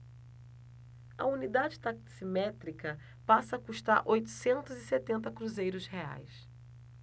a unidade taximétrica passa a custar oitocentos e setenta cruzeiros reais